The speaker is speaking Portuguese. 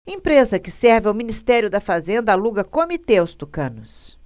empresa que serve ao ministério da fazenda aluga comitê aos tucanos